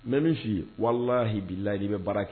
Mɛ min f'i walahii la ii bɛ baara kɛ